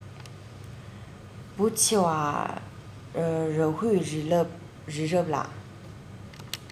བུ ཆེ བ རཱ ཧུས རི རབ ལ